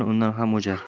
undan ham o'jar